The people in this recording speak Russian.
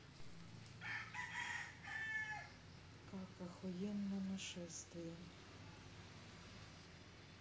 как охуенно нашествие